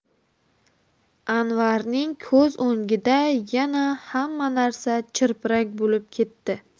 anvarning ko'z o'ngida yana hamma narsa chirpirak bo'lib ketdi